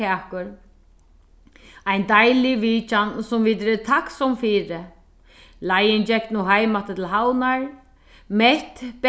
kakur ein deilig vitjan sum vit eru takksom fyri leiðin gekk nú heim aftur til havnar mett